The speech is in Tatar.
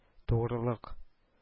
Тугрылык